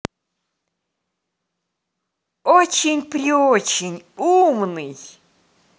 очень приочень умный